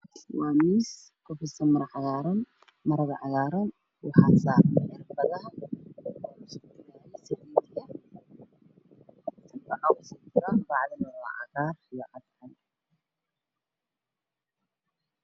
Waa miis kufidsan maro cagaaran waxaa saaran cirbado kujiro baco oo ah cadaan iyo cagaar.